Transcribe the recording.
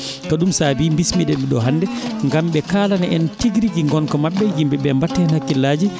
ko ɗum saabii mbismiɗen ɓe ɗoo hannde ngam ɓe kaalana en tigi rigi ngonka maɓɓe e yimɓe ɓee mbatta heen hakkillaaji